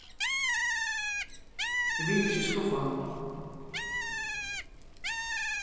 eg vil ikki skuffa hann